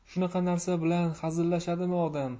shunaqa narsa bilan hazillashadimi odam